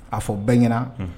A fɔ bɛɛ ɲɛna, unhun,